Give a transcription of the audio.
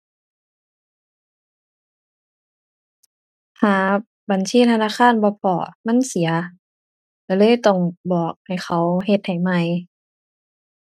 หาบัญชีธนาคารบ่พ้อมันเสียก็เลยต้องบอกให้เขาเฮ็ดให้ใหม่